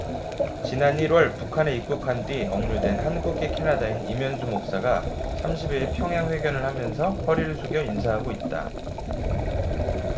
지난 일 월 북한에 입국한 뒤 억류된 한국계 캐나다인 임현수 목사가 삼십 일 평양 회견을 하면서 허리를 숙여 인사하고 있다